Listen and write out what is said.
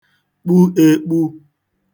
kpu ēkpū